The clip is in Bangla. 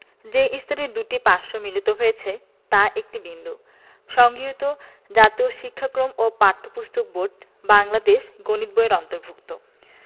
যে স্থানে দুইটি পার্শ্ব মিলিত হয়েছে তা একটি বিন্দু সংগৃহীত জাতীয় শিক্ষাক্রম ও পাঠ্যপুস্তক বোর্ড বাংলাদেশ গণিত বই-এর অন্তর্ভুক্ত